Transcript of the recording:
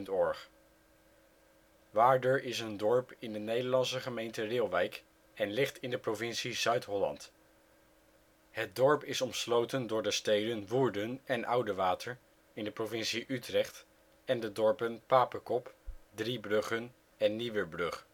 OL Waarder Plaats in Nederland Situering Provincie Zuid-Holland Gemeente Bodegraven-Reeuwijk Coördinaten 52° 4′ NB, 4° 49′ OL Algemeen Inwoners (2008) 1647 Detailkaart Locatie in de gemeente Reeuwijk Foto 's Waarder met NH-kerk en het middeleeuwse Kerkelaantje Portaal Nederland Waarder is een dorp in de Nederlandse gemeente Reeuwijk en ligt in de provincie Zuid-Holland. Het dorp is omsloten door de steden Woerden en Oudewater (provincie Utrecht) en de dorpen Papekop, Driebruggen en Nieuwerbrug